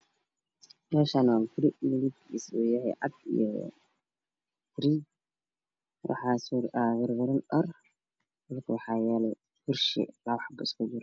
Meeshaan waa guri midaabkiisu yahay cad iyo biring waxaa sur warwaran dhar dhulka waxaa yaalo kursi 2 xabo isku jiro